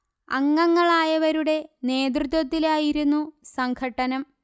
അംഗങ്ങളായവരുടെ നേതൃത്വത്തിലായിരുന്നു സംഘട്ടനം